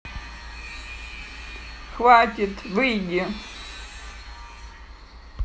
хватит выйди